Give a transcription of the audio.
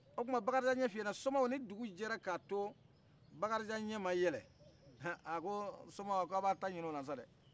o tuma bakarijan ɲɛ fiyen na somaw ni dugu jɛra k'a to bakarijan jɛ ma yɛlɛn a ko somaw a baw ta ɲinin ola sa dɛhh